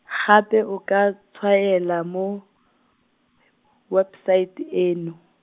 gape o ka tshwaela mo , website eno.